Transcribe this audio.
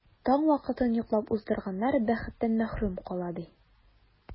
Таң вакытын йоклап уздырганнар бәхеттән мәхрүм кала, ди.